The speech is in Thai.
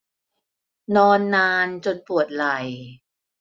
นอนนานจนปวดไหล่